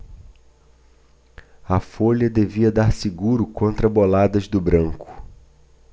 a folha devia dar seguro contra boladas do branco